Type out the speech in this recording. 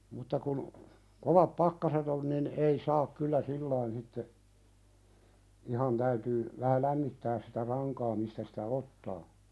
mutta kun kovat pakkaset oli niin ei saa kyllä silloin sitten ihan täytyy vähän lämmittää sitä rankaa mistä sitä ottaa